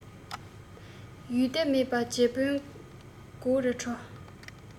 ཡུལ སྡེ མེད པའི རྗེ དཔོན དགོད རེ བྲོ